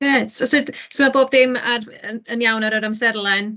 Grêt so sut... so ma' bob dim ar... yn yn iawn ar yr amserlen?